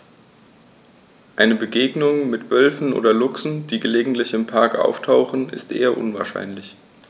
Eine Begegnung mit Wölfen oder Luchsen, die gelegentlich im Park auftauchen, ist eher unwahrscheinlich.